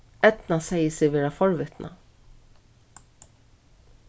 eydna segði seg vera forvitna